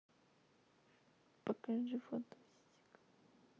покажи фотку сисек